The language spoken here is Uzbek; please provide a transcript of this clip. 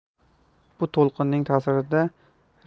bu to'lqinlar ta'sirida